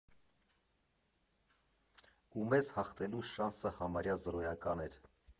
Ու մեզ հաղթելու շանսը համարյա զրոյական էր։